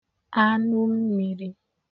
anụmmiri